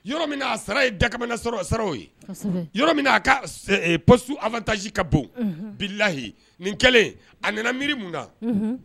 Yɔrɔ min a sara ye dakabana sɔrɔ a sara ye, kosɛbɛ, yɔrɔ min a ka ɛ poste avantage ka bon, unhun,. bilahi nin kɛlen a nana miiri mun na, unhun.